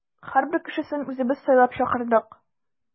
Һәрбер кешесен үзебез сайлап чакырдык.